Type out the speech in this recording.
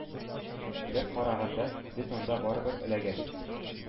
Бер караганда, без анда барыбер эләгәбез.